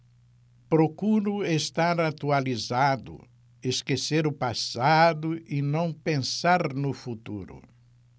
procuro estar atualizado esquecer o passado e não pensar no futuro